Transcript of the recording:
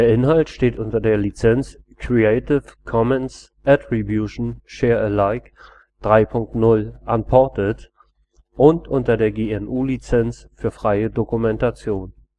Inhalt steht unter der Lizenz Creative Commons Attribution Share Alike 3 Punkt 0 Unported und unter der GNU Lizenz für freie Dokumentation